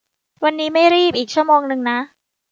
วันนี้ไม่รีบอีกชั่วโมงนะ